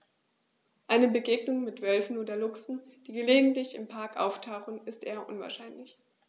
Eine Begegnung mit Wölfen oder Luchsen, die gelegentlich im Park auftauchen, ist eher unwahrscheinlich.